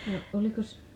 no olikos